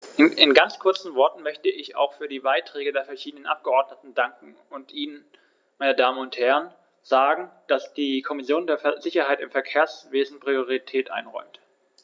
In ganz kurzen Worten möchte ich auch für die Beiträge der verschiedenen Abgeordneten danken und Ihnen, meine Damen und Herren, sagen, dass die Kommission der Sicherheit im Verkehrswesen Priorität einräumt.